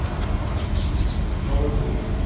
новый мультик